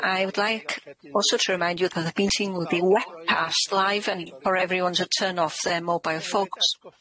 I would like also to remind you that the meeting will be web-passed live and for everyone to turn off their mobile phones.